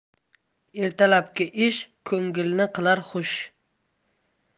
ertalabki ish ko'ngilni qilar xush